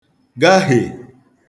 gahè